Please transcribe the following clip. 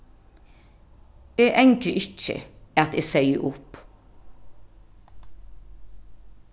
eg angri ikki at eg segði upp